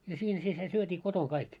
ja siinä sitten se syötiin kotona kaikki